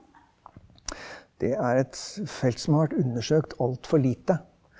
det er et felt som har vært undersøkt altfor lite.